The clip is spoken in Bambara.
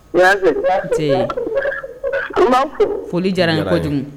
Ee foli diyara n ye kojugu